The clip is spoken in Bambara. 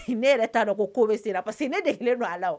Ne yɛrɛ taa dɔn ko bɛ sen parce que ne de kelen don a la